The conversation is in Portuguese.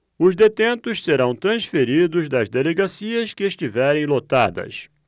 os detentos serão transferidos das delegacias que estiverem lotadas